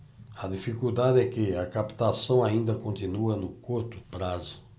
a dificuldade é que a captação ainda continua no curto prazo